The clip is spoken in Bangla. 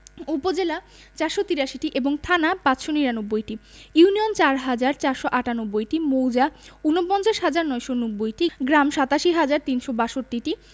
উপজেলা ৪৮৩টি ও থানা ৫৯৯টি ইউনিয়ন ৪হাজার ৪৯৮টি মৌজা ৫৯হাজার ৯৯০টি গ্রাম ৮৭হাজার ৩৬২টি